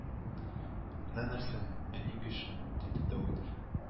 Менә нәрсә, әни кеше,-диде Давыдов